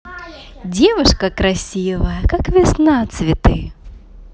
девушка красивая как весна цветы